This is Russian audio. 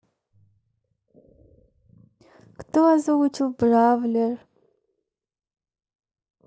кто озвучил бравлер